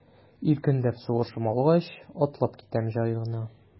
Иркенләп сулышым алгач, атлап китәм җай гына.